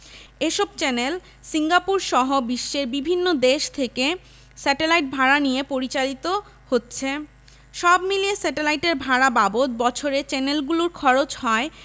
এসব চ্যানেল সিঙ্গাপুরসহ বিশ্বের বিভিন্ন দেশ থেকে স্যাটেলাইট ভাড়া নিয়ে পরিচালিত হচ্ছে সব মিলিয়ে স্যাটেলাইটের ভাড়া বাবদ বছরে চ্যানেলগুলোর খরচ হয়